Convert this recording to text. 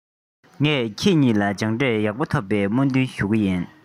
ངས ཁྱེད གཉིས ལ སྦྱངས འབྲས ཡག པོ ཐོབ པའི སྨོན འདུན ཞུ གི ཡིན